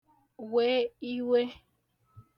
we iwē